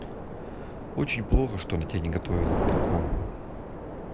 очень плохо что тебя она не готовила к такому